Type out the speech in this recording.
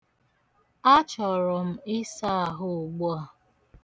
Achọrọ m ịsa ahụ ugbu a.